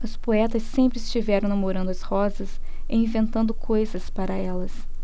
os poetas sempre estiveram namorando as rosas e inventando coisas para elas